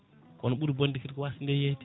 kono ɓuuri bonde kadi ko wasde nde yeeyde